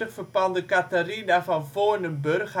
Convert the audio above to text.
verpandde Catherina van Voornenburgh